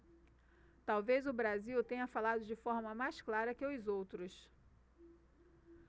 talvez o brasil tenha falado de forma mais clara que os outros